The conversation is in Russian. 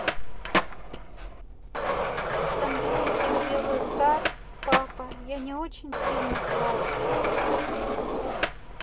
там где детям делают cut папа я не очень сильно плачет